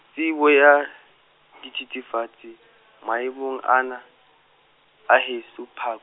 tshebo ya, dithethefatsi , maemong ana, ha eso pak-.